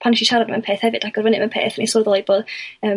pan nesi siarad am y peth hefyd a agor fyny am y peth oni'n sylweddoli bo'